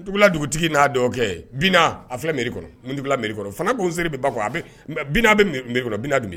Mutugula dugutigi n'a dɔgɔkɛ, Binna, a filɛ mairie kɔnɔ, Mutugula Mairie kɔnɔ; fana ko n seere bɛ ba kɔ, a bɛ Binna bɛ mairie kɔnɔ, Binna Dunbuya